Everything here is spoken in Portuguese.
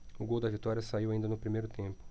o gol da vitória saiu ainda no primeiro tempo